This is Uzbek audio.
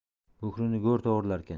bukirni go'r to'g'irlarkan